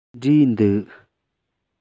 འབྲས འདུག